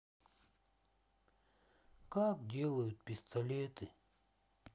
как делают пистолеты